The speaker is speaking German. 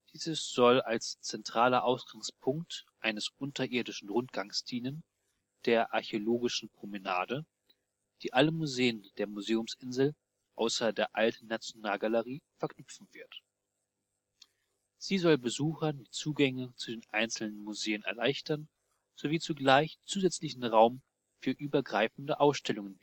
Dieses soll als zentraler Ausgangspunkt eines unterirdischen Rundgangs dienen, der Archäologischen Promenade, die alle Museen der Museumsinsel außer der Alten Nationalgalerie verknüpfen wird. Sie soll Besuchern die Zugänge zu den einzelnen Museen erleichtern sowie zugleich zusätzlichen Raum für übergreifende Ausstellungen